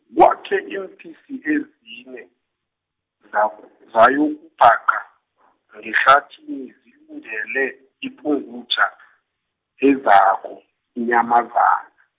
kwakhe iimpisi ezine, zako- zayokubhaqa , ngehlathini zilindele, ipungutjha , ezako inyamazana.